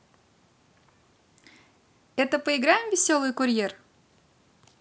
это поиграем веселый курьер